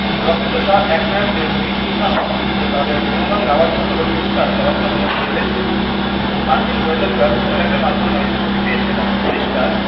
রক্তচোষা একনায়কদের পিঠ চুলকানো ও তাঁদের গুণগান গাওয়ার জন্য নোবেল পুরস্কার দেওয়ার কোনো নিয়ম কি রয়েছে মার্কিন গোয়েন্দা বিভাগ স্যাটেলাইটের মাধ্যমে যে ছবি পেয়েছে তাতে পরিষ্কার